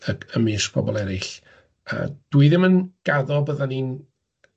###y- ymysg pobol eryll yy dwi ddim yn gaddo byddan ni'n